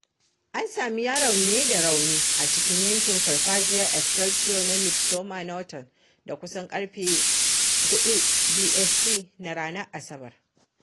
An sami yaron ne da raunin a cikin yankin Farfajiyar Excelsior na Midsomer Norton, da kusan ƙarfe 04:00 BST na ranar Asabar.